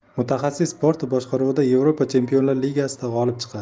mutaxassis portu boshqaruvida yevropa chempionlar ligasida g'olib chiqadi